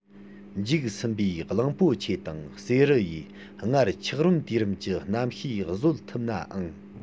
འཇིག ཟིན པའི གླང པོ ཆེ དང བསེ རུ ཡིས སྔར འཁྱགས རོམ དུས རིམ གྱི གནམ གཤིས བཟོད ཐུབ ནའང